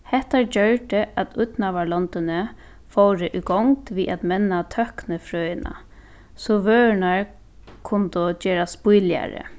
hetta gjørdi at ídnaðarlondini fóru í gongd við at menna tøknifrøðina so vørurnar kundu gerast bíligari